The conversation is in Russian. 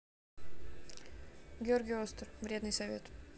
георгий остер вредные советы